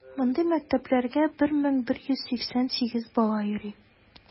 Мондый мәктәпләргә 1188 бала йөри.